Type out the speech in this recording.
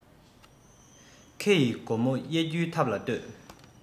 ཁེ ཡི སྒོ མོ དབྱེ རྒྱུའི ཐབས ལ ལྟོས